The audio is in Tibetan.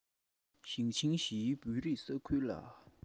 ཞིང ཆེན བཞིའི བོད རིགས ས ཁུལ ལ